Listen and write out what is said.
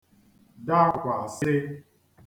dakwàsị